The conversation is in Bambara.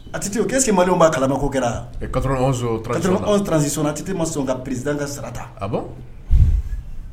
ATT ko k'e est ce que malien u b'a kalama k'o kɛraa ɛ 91 transition na 91 transition na ATT ma sɔn ka président ka sara ta ah bon